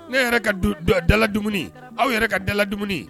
Ne yɛrɛ ka dala dumuni, aw yɛrɛ ka dala dumuni.